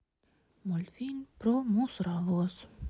мультфильм про мусоровоз